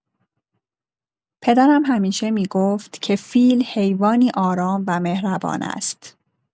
پدرم همیشه می‌گفت که فیل حیوانی آرام و مهربان است.